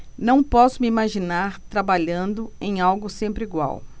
não posso me imaginar trabalhando em algo sempre igual